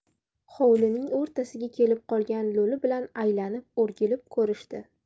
hovlining o'rtasiga kelib qolgan lo'li bilan aylanib o'rgilib ko'rishdi